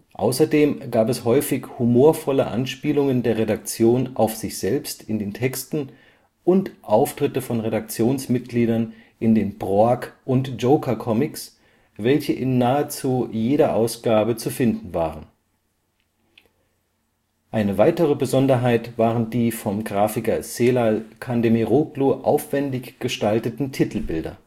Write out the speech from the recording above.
Außerdem gab es häufig humorvolle Anspielungen der Redaktion auf sich selbst in den Texten und Auftritte von Redaktionsmitgliedern in den Brork - und Joker-Comics, welche in nahezu jeder Ausgabe zu finden waren. Eine weitere Besonderheit waren die vom Grafiker Celal Kandemiroglu aufwendig gestalteten Titelbilder